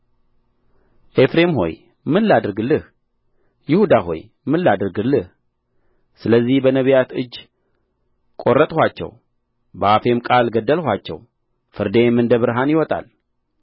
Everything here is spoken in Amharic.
ኤፍሬም ሆይ ምን ላድርግልህ ይሁዳ ሆይ ምን ላድርግልህ ስለዚህ በነቢያት እጅ ቈረጥኋቸው በአፌም ቃል ገደልኋቸው ፍርዴም እንደ ብርሃን ይወጣል